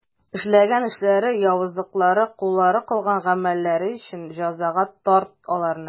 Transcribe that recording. Эшләгән эшләре, явызлыклары, куллары кылган гамәлләре өчен җәзага тарт аларны.